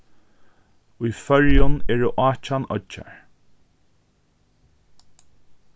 í føroyum eru átjan oyggjar